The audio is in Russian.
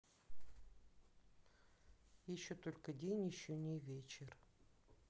еще только день еще не вечер